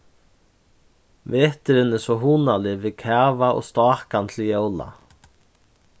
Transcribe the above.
veturin er so hugnaligur við kava og stákan til jóla